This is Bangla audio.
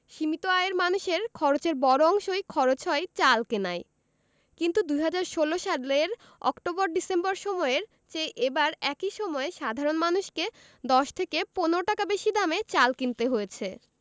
সীমিত আয়ের মানুষের খরচের বড় অংশই খরচ হয় চাল কেনায় কিন্তু ২০১৬ সালের অক্টোবর ডিসেম্বর সময়ের চেয়ে এবার একই সময়ে সাধারণ মানুষকে ১০ থেকে ১৫ টাকা বেশি দামে চাল কিনতে হয়েছে